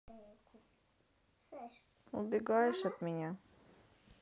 убегаешь от меня